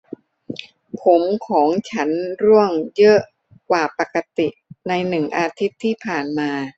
ผมของฉันร่วงเยอะกว่าปกติในหนึ่งอาทิตย์ที่ผ่านมา